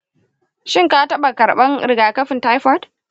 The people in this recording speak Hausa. shin ka taba karban rigakafin taifoid?